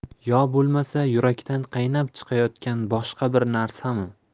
yo bo'lmasa yurakdan qaynab chiqayotgan boshqa bir narsami